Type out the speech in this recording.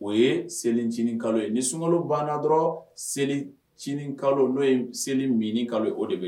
O ye selicinin kalo ye nin sunkalo banna dɔrɔn seli kalo n'o ye seli mini kalo o de bɛ